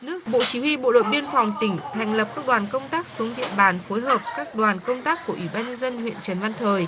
bộ chỉ huy bộ đội biên phòng tỉnh thành lập các đoàn công tác xuống địa bàn phối hợp các đoàn công tác của ủy ban nhân dân huyện trần văn thời